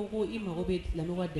I ko ko i mago bɛ ninnu kabdɛmɛ la